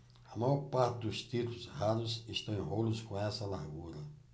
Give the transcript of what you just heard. a maior parte dos títulos raros está em rolos com essa largura